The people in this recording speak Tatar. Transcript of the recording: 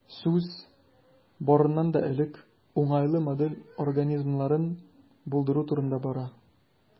Сүз, барыннан да элек, уңайлы модель организмнарын булдыру турында бара.